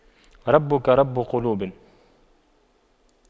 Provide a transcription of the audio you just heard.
ربك رب قلوب